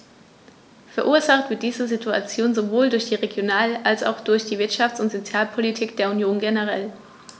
Verursacht wird diese Situation sowohl durch die Regional- als auch durch die Wirtschafts- und Sozialpolitik der Union generell.